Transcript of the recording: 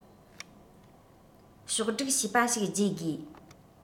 ཕྱོགས བསྒྲིགས བྱས པ ཞིག བརྗེ དགོས